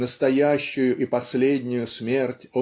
настоящую и последнюю смерть